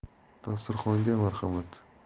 dasturxonga marhamat